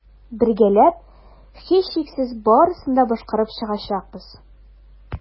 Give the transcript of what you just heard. Бергәләп, һичшиксез, барысын да башкарып чыгачакбыз.